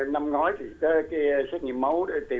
á năm ngoái thì cái cái xét nghiệm máu để tìm